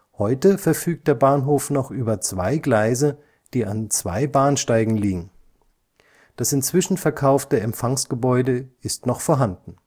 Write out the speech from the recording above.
Heute verfügt der Bahnhof noch über zwei Gleise, die an zwei Bahnsteigen liegen. Das inzwischen verkaufte Empfangsgebäude ist noch vorhanden